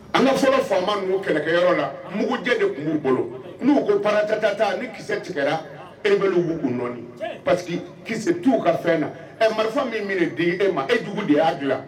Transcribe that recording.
A ka fɔlɔ faama ninnu kɛlɛkɛyɔrɔ la, mugujɛ de tun b'u bolo, n'u ko paratatata ni ki tigɛra rebelles b'u kun dɔɔnin, parce que kisɛ t'u ka fɛn na, ɛ marifa min bɛna di e ma e jugu de y'a dilan